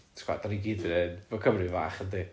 ti gwbod dan ni gyd 'di neud hyn ma' Cymru'n fach yndi